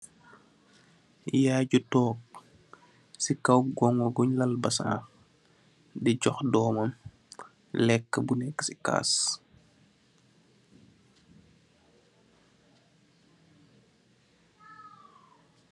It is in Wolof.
Yaye ju tog si kaw basang di jox dóómam lekka bu nekka ci kas.